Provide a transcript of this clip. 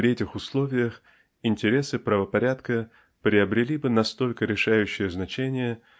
при этих условиях интересы правопорядка приобрели бы настолько решающее значение